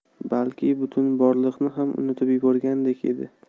balki butun borliqni ham unutib yuborgandek edi